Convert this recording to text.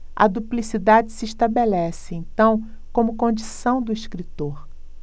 a duplicidade se estabelece então como condição do escritor